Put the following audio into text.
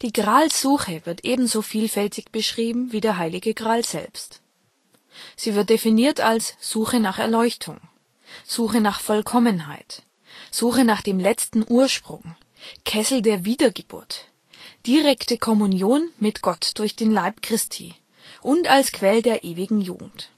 Gralssuche wird ebenso vielfältig beschrieben wie der Heilige Gral selbst. Sie wird definiert als Suche nach Erleuchtung, Suche nach Vollkommenheit, Suche nach dem letzten Ursprung, Kessel der Wiedergeburt, direkte Kommunion mit Gott durch den Leib Christi, und als Quell der ewigen Jugend